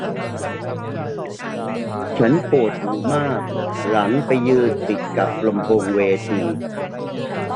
ฉันปวดหูมากหลังไปยืนติดกับลำโพงเวที